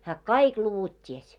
hän kaikki luvut tiesi